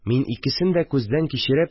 Мин, икесен дә күздән кичереп